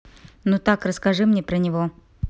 ну так расскажи мне про него